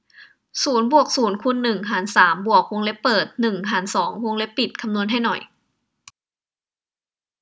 ศูนย์บวกศูนย์คูณหนึ่งหารสามบวกวงเล็บเปิดหนึ่งหารสองวงเล็บปิดคำนวณให้หน่อย